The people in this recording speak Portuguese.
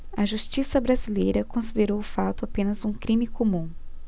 a justiça brasileira considerou o fato apenas um crime comum